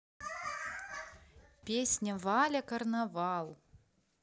песня валя карнавал